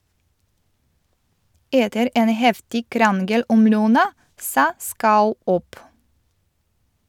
Etter en heftig krangel om lønna , sa Schau opp.